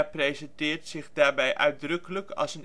presenteert zich daarbij uitdrukkelijk als